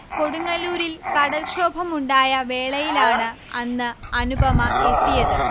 കൊടുങ്ങല്ലൂരിൽ കടൽക്ഷോഭമുണ്ടായ വേളയിലാണ് അന്ന് അനുപമ എത്തിയത്